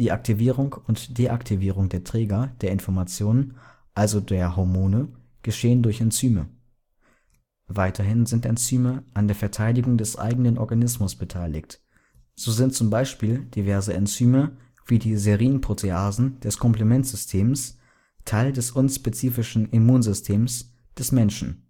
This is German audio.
Aktivierung und Deaktivierung der Träger der Information, also der Hormone geschehen durch Enzyme. Weiterhin sind Enzyme an der Verteidigung des eigenen Organismus beteiligt, so sind zum Beispiel diverse Enzyme wie die Serinproteasen des Komplementsystems Teil des unspezifischen Immunsystems des Menschen